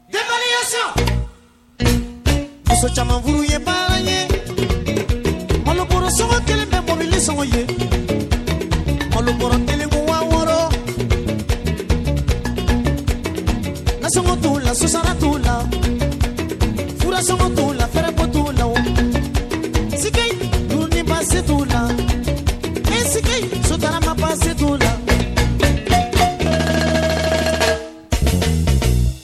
Muso caman furu ye baara ye so kelen bɛ nisɔn ye kelenku t'u la su t'u la furu t'u la fɛrɛ t'u la si dun ba se t'u lasi ba se t' uu la